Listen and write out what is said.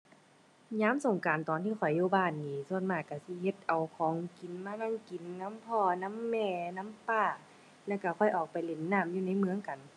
ยามสงกรานต์ตอนที่ข้อยอยู่บ้านนี่ ส่วนมากก็สิหยิบเอาของกิน มานั่งกินนำพ่อ นำแม่ นำป้า แล้วก็ค่อยออกไปเล่นน้ำอยู่ในเมืองกัน